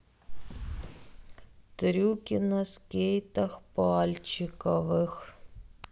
трюки на скейтах пальчиковых